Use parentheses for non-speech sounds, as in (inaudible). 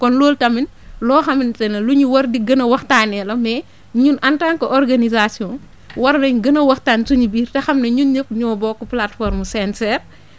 kon loolu tamit loo xamante ne lu ñu war di gën a waxtaanee la mais ñun en tant que organisation (noise) war nañ gën a waxtaan suñu biir te xam ne ñun ñëpp ñoo bokk plateforme CNCR